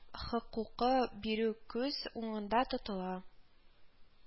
Хокукы бирү күз уңында тотыла